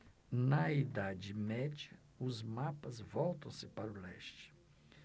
na idade média os mapas voltam-se para o leste